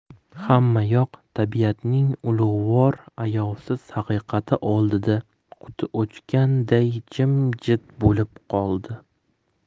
hammayoq tabiatning ulug'vor ayovsiz haqiqati oldida quti o'chganday jim jit bo'lib qoldi